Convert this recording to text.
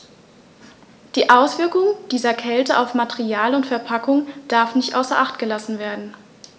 Die Auswirkungen dieser Kälte auf Material und Verpackung darf nicht außer acht gelassen werden.